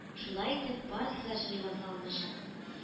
Шулай итеп барысы да җайга салыначак